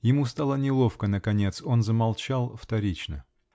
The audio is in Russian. Ему стало неловко наконец; он замолчал вторично.